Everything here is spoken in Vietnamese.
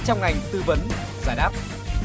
trong ngành tư vấn giải đáp